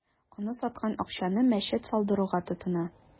Аны саткан акчаны мәчет салдыруга тотына.